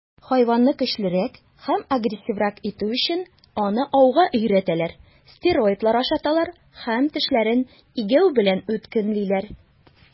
Хайванны көчлерәк һәм агрессиврак итү өчен, аны ауга өйрәтәләр, стероидлар ашаталар һәм тешләрен игәү белән үткенлиләр.